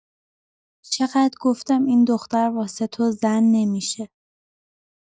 چقد گفتم این دختر واسه تو زن نمی‌شه.